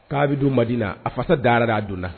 K'a bɛ di ma diina a fasa darar' a donna na